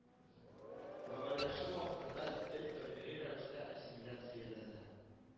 Глобальләшү вакытында тел табигый рәвештә ассимиляцияләнә